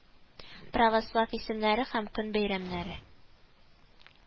Православ исемнәре һәм көн бәйрәмнәре